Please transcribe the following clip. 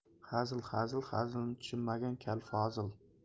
hazil hazil hazilni tushunmagan kal fozil